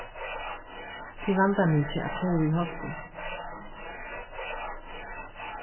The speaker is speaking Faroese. tað er vandamikið at koyra í hálku